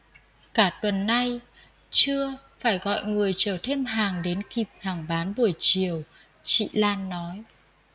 cả tuần nay trưa phải gọi người chở thêm hàng đến kịp hàng bán buổi chiều chị lan nói